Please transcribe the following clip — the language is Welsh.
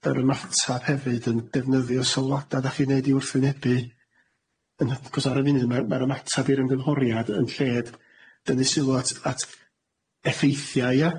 yr ymatab hefyd yn defnyddio sylwada' dach chi'n neud i wrthwynebu yn hy- achos ar y funud ma' ma'r ymatab i'r ymgynghoriad yn lled, dan ni sylw at at effeithia' ia?